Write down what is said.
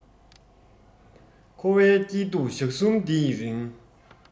འཁོར བའི སྐྱིད སྡུག ཞག གསུམ འདི ཡི རིང